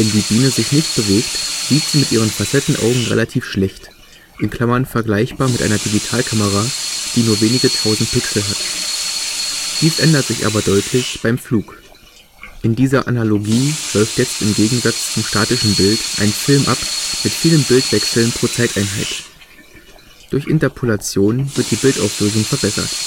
die Biene sich nicht bewegt, sieht sie mit ihren Facettenaugen relativ schlecht (vergleichbar mit einer Digitalkamera, die nur wenige Tausend Pixel hat). Dies ändert sich aber deutlich beim Flug. In dieser Analogie läuft jetzt im Gegensatz zum statischen Bild ein Film ab, mit vielen Bildwechseln pro Zeiteinheit. Durch Interpolation wird die Bildauflösung verbessert